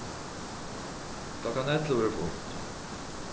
klokkan ellivu er fínt